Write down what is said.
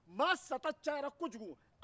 maa sata cayara kojugu